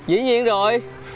dĩ nhiên rồi